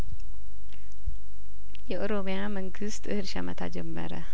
የኦሮሚያ መንግስት እህል ሸመታ ጀመረ